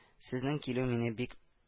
Сезнең килү мине бик